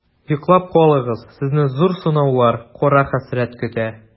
Йоклап калыгыз, сезне зур сынаулар, кара хәсрәт көтә.